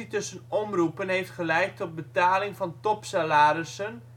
tussen omroepen heeft geleid tot betaling van topsalarissen